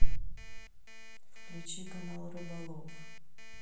включи канал рыболов